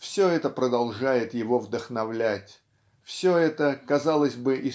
все это продолжает его вдохновлять все это казалось бы